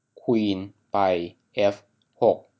ควีนไปเอฟหก